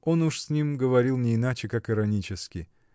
Он уж с ним говорил не иначе как иронически.